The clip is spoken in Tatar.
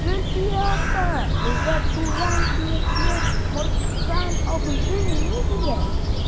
Гөлфия апа, безгә туган тиешле Моратхан абзый ни дия.